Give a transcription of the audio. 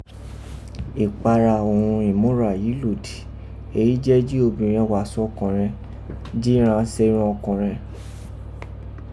ìpara òghun ìmúra yìí lòdì, èyí jẹ́ jí obìnrẹn wàṣọ ọkó̀nrẹn, jí ghan serọn ọkọ̀nrẹn.